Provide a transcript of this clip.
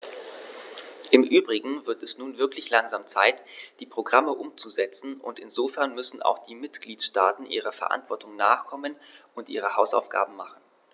Im übrigen wird es nun wirklich langsam Zeit, die Programme umzusetzen, und insofern müssen auch die Mitgliedstaaten ihrer Verantwortung nachkommen und ihre Hausaufgaben machen.